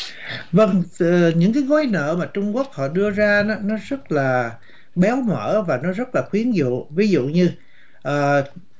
vâng những cái gói nợ mà trung quốc họ đưa ra nó rất là béo bở và nó rất là quyến rũ ví dụ như à